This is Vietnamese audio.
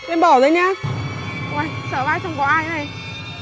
uyên bỏ ra nhá uây sợ vãi trong có ai thế này